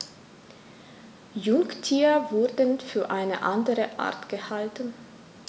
Jungtiere wurden für eine andere Art gehalten.